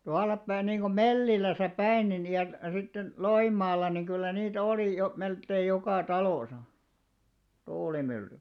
tuollapäin niin kuin Mellilässä päin niin ja sitten Loimaalla niin kyllä niitä oli jo melkein joka talossa tuulimyllyjä